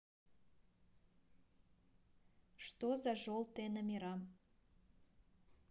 что за желтые номера